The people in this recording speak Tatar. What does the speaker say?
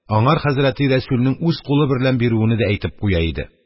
Аңар хәзрәти рәсүлнең үз кулы берлән бирүене дә әйтеп куя иде.